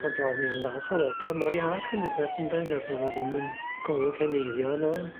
Ond o'n i'n falch o weld o mor iach yn rwbeth ynde nad o'dd o ddim yn golwg heneiddio arno fo.